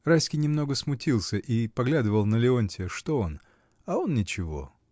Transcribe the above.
Райский немного смутился и поглядывал на Леонтия, что он, а он ничего.